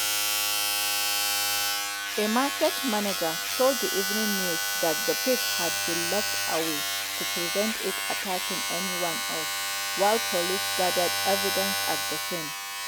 A market manager told the Evening News that the pig had been locked away to prevent it attacking anyone else, while police gathered evidence at the scene.